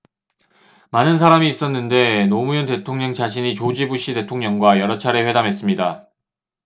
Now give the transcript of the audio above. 많은 사람이 있었는데 노무현 대통령 자신이 조지 부시 대통령과 여러 차례 회담했습니다